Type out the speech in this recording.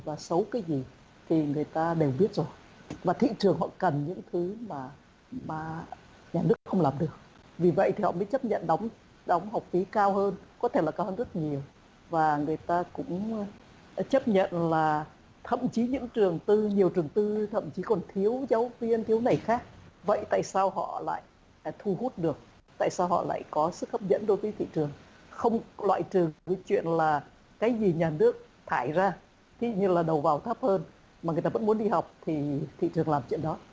và xấu cái gì thì người ta đều biết rồi mà thị trường họ cần những thứ mà mà nhà nước không làm được vì vậy thì họ mới chấp nhận đóng đóng học phí cao hơn có thể là cao hơn rất nhiều và người ta cũng a chấp nhận là thậm chí những trường tư nhiều trường tư thậm chí còn thiếu giáo viên thiếu này khác vậy tại sao họ lại à thu hút được tại sao họ lại có sức hấp dẫn đối với thị trường không loại trừ chuyện là cái gì nhà nước thải ra thí như là đầu vào thấp hơn mà người ta vẫn muốn đi học thì thị thường làm chuyện đó